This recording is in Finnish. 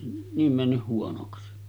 niin mennyt huonoksi